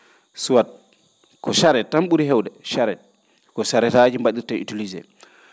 soit ko charette tan ?uri heewde charette ko charette raaji mba?irtee utilisé